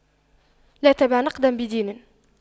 لا تبع نقداً بدين